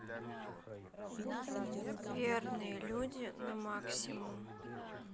верные люди на максимум